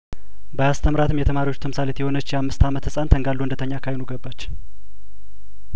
ባያስተምራትም የተማሪዎቹ ተምሳሌት የሆነች የአምስት አመት ህጻን ተንጋሎ እንደተኛ ካይኑ ገባች